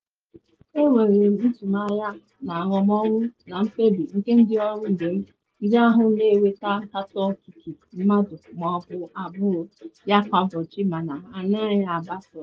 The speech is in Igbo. Enwere m ntụmanya n’arụmọrụ na mkpebi nke ndị ọrụ ibe m ndị ahụ na enweta nkatọ okike mmadụ ma ọ bụ agbụrụ ya kwa ụbọchị mana ha anaghị agba ọsọ.